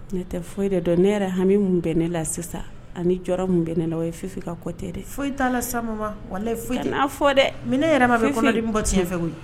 Ne tɛ foyi de dɔn. Ne yɛrɛ hami mun bɛ ne la sisan ani jɔrɔ mun bɛ ne la o ye fifi ka côté de ye. Foyi ta la sa Maman, walaye foyi tɛ. Ka na fɔ dɛ . Minɛ yɛrɛ ma bɛ kɔnɔdi bɔ tiɲɛ fɛ koyi